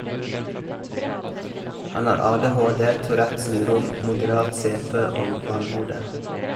Han har ADHD, tourette syndrom, moderat CP og vannhode.